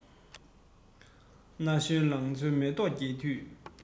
ན གཞོན ལང ཚོའི མེ ཏོག རྒྱས དུས